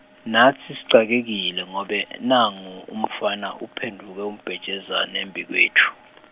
natsi sicakekile ngobe, nangu, umfana uphendvuke umbhejazane embikwetfu .